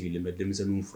Sigilen bɛ denmisɛnnin faga